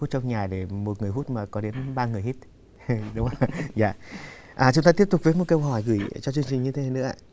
hút trong nhà để một người hút mà có đến ba người hít hì đúng không ạ dạ à chúng ta tiếp tục với một câu hỏi gửi cho chương trình như thế nữa ạ